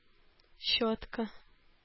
Щетка